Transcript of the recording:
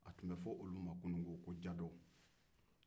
a tun bɛ fɔ olu ma kunungo ko jadɔw